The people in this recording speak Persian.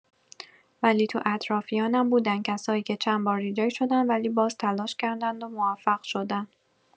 ولی تو اطرافیانم بودن کسایی که چندبار ریجکت شدن ولی باز تلاش کردند و موفق‌شدن